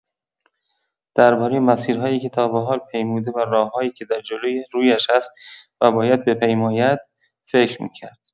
درباره مسیرهایی که تا به‌حال پیموده و راه‌هایی که در جلوی رویش است و باید بپیماید، فکر می‌کرد.